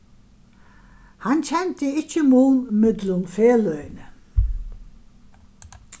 hann kendi ikki mun millum feløgini